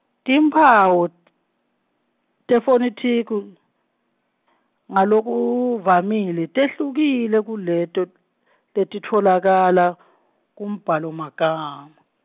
timphawu , tefonethiki , ngalokuvamile tehlukile kuleto, letitfolakala , kumbhalomagama.